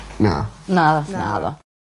Na. Na. Naddo.